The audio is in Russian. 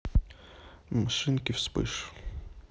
машинки вспыш